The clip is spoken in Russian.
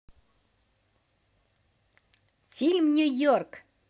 фильм нью йорк